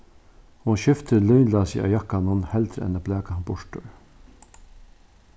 hon skifti lynlásið á jakkanum heldur enn at blaka hann burtur